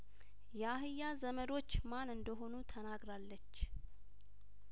የአህያ ዘመዶች ማን እንደሆኑ ተናግራለች